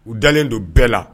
U dalen do bɛɛ la.